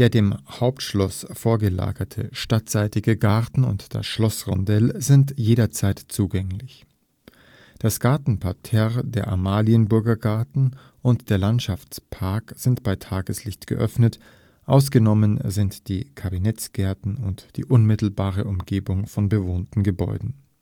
dem Hauptschloss vorgelagerte stadtseitige Garten und das Schlossrondell sind jederzeit zugänglich. Das Gartenparterre, der Amalienburger Garten und der Landschaftspark sind bei Tageslicht geöffnet, ausgenommen sind die Kabinettsgärten und die unmittelbare Umgebung von bewohnten Gebäuden